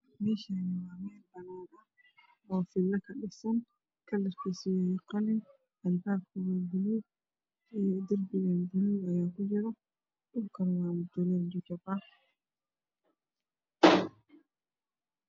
Meeshaani waa meel banan ah oo filo ka dhisan kalarkiisu uu yahay qalin albaabka waa buluug derbigan buluug ayaa ku jiro Dhulkana waa mutuleel jajab ah